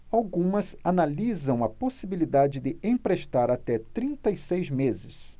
algumas analisam a possibilidade de emprestar até trinta e seis meses